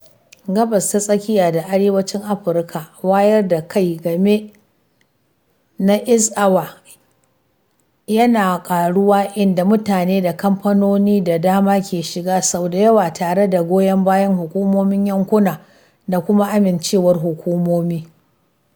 A Gabas ta Tsakiya da Arewacin Afirka, wayar da kai game na Earth Hour yana ƙaruwa, inda mutane da kamfanoni da dama ke shiga, sau da yawa tare da goyon bayan hukumomin yankunan da kuma amincewar hukumomi.